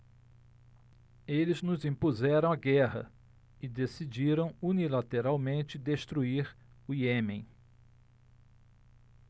eles nos impuseram a guerra e decidiram unilateralmente destruir o iêmen